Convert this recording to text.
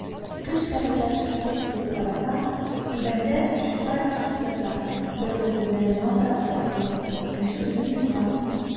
Көч-хәл белән шырпы сызып карасам - идәндә Щукарь карт ята, бер күзе белән миңа карап тора бу, икенче күзен йомган.